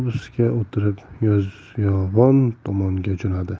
yozyovon tomonga jo'nadi